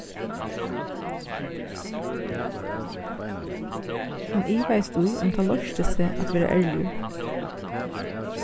hann ivaðist í um tað loysti seg at vera ærligur